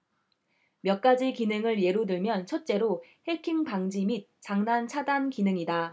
몇 가지 기능을 예로 들면 첫째로 해킹 방지 및 장난 차단 기능이다